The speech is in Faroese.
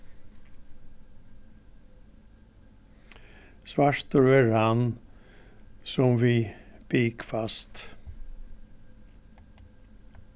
svartur verður hann sum við bik fæst